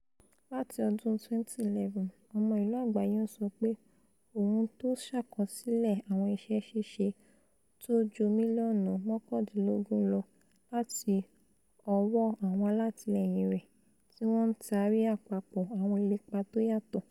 Láti ọdún 2011, Ọmọ Ìlú Àgbáyé ńsọ pé òun to ṣàkọsílẹ̀ ''àwọn iṣẹ́ ṣíṣe'' tó ju mílíọ̀nù mọ́kàndínlógún lọ láti ọwọ́ àwọn alàtìlẹ́yìn rẹ̀, tíwọn ńtaari àpapọ̀ àwọn ìlépa tóyàtọ̀.